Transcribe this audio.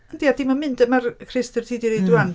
Ydy a 'di'm yn mynd... mae'r rhestr ti 'di rhoi rŵan...